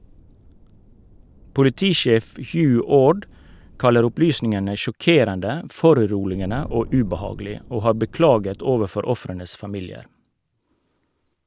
Politisjef Hugh Orde kaller opplysningene «sjokkerende, foruroligende og ubehagelig», og har beklaget overfor ofrenes familier.